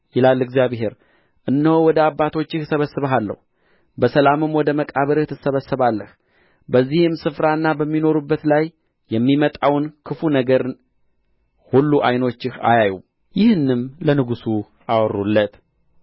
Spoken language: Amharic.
ይላል እግዚአብሔር እነሆ ወደ አባቶችህ እሰበስብሃለሁ በሰላምም ወደ መቃብርህ ትሰበሰባለህ በዚህም ስፍራና በሚኖሩበት ላይ የማመጣውን ክፉ ነገር ሁሉ ዓይኖችህ አያዩም ይህንም ለንጉሥ አወሩለት